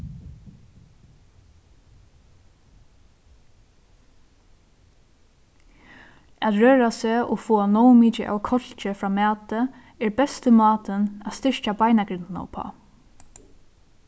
at røra seg og fáa nóg mikið av kálki frá mati er besti mátin at styrkja beinagrindina uppá